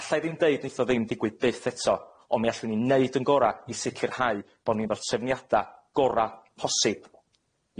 Alla i ddim deud neith o ddim digwydd byth eto, on' mi allwn ni neud yn gora i sicirhau bo' ni efo'r trefniada gora posib.